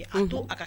An don a ka